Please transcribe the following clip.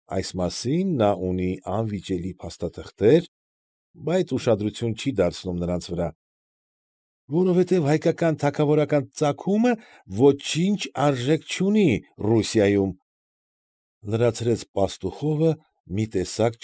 Այս մասին նա ունի անվիճելի փաստաթղթեր, բայց ուշադրություն չի դարձնում նրանց վրա, որովհետև… ֊ Որովհետև հայկական թագավորական ծագումը ոչինչ արժեք չունի Ռուսիայիում,֊ լրացրեց Պաստուխովը մի տեսակ։